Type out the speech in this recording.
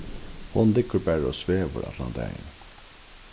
hon liggur bara og svevur allan dagin